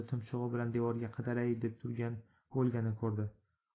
tumshug'i bilan devorga qadalay deb turgan volgani ko'rdi